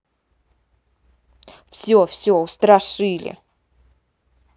все все устрашили